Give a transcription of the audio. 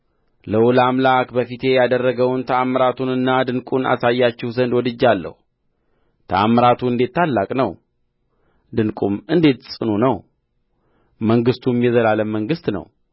ልዑል አምላክ በፊቴ ያደረገውን ተአምራቱንና ድንቁን አሳያችሁ ዘንድ ወድጃለሁ ተአምራቱ እንዴት ታላቅ ነው ድንቁም እንዴት ጽኑ ነው መንግሥቱም የዘላለም መንግሥት ነው